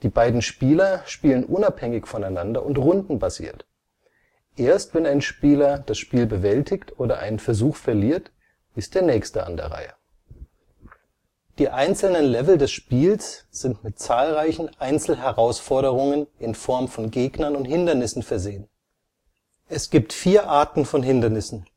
beiden Spieler spielen unabhängig voneinander und rundenbasiert. Erst wenn ein Spieler das Spiel bewältigt oder einen Versuch verliert, ist der nächste an der Reihe. Die einzelnen Level des Spiels sind mit zahlreichen Einzelherausforderungen in Form von Gegnern und Hindernissen versehen. Es gibt vier Arten von Hindernissen